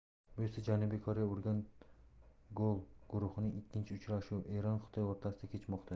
bu esa janubiy koreya urgan golguruhning ikkinchi uchrashuvi eron xitoy o'rtasida kechmoqda